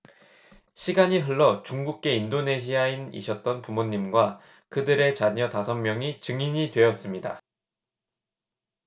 시간이 흘러 중국계 인도네시아인이셨던 부모님과 그들의 자녀 다섯 명이 증인이 되었습니다